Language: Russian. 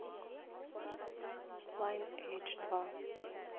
лайн эйдж два